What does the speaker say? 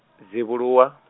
DZIVHULUWA.